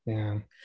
Ie.